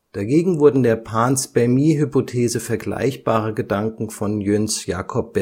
Dagegen wurden der Panspermie-Hypothese vergleichbare Gedanken von Jöns Jakob